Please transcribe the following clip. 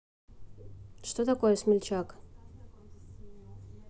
что такое смельчак